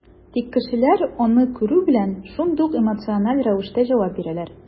Тик кешеләр, аны күрү белән, шундук эмоциональ рәвештә җавап бирәләр.